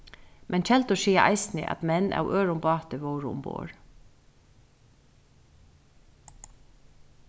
men keldur siga eisini at menn av øðrum báti vóru umborð